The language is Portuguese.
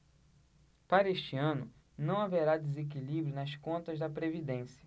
para este ano não haverá desequilíbrio nas contas da previdência